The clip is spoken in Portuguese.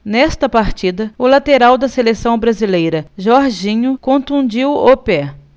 nesta partida o lateral da seleção brasileira jorginho contundiu o pé